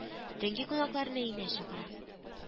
Төнге кунакларны өенә чакыра